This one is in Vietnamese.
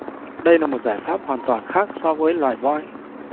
đây là một giải pháp hoàn toàn khác so với loài voi